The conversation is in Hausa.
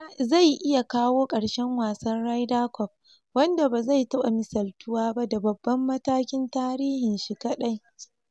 Zai iya kawo ƙarshen wasan Ryder Cup wanda ba zai taɓa misaltuwa ba da babban matakin tarihin shi kadai.